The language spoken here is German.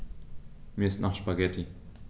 Mir ist nach Spaghetti.